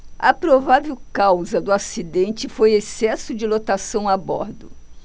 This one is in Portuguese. a provável causa do acidente foi excesso de lotação a bordo